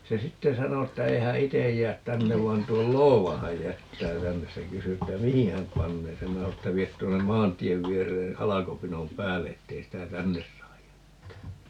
se sitten sanoi että ei hän itse jää tänne vaan tuon loodan hän jättää tänne se kysyi että mihin hän panee sen minä sanoin että vie tuonne maantien viereen halkopinon päälle että ei sitä tänne saa jättää